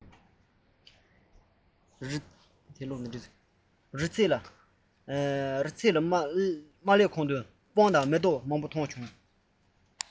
རྩེ མོར སླེབས མ ཐག པ སྤང དང མེ ཏོག མཐོང བྱུང